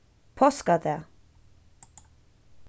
páskadag